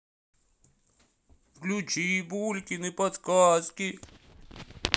включи булькины подсказки